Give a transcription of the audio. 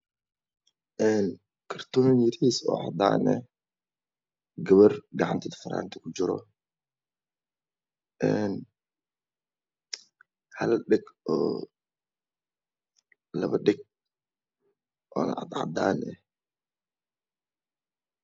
Kartoon yariis oo cadaan ah gabar gacanteeda faraanti ku jiro en hal dhag ee labo dhag oo cad cadaan ah